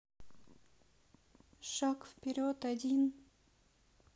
шаг вперед один